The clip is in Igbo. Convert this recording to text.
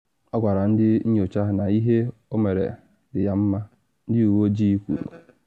Ọ gwara ndị nyocha na ihe ọ mere dị ya mma, ndị uwe ojii kwuru.